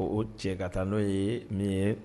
O cɛ ka taa n'o ye min ye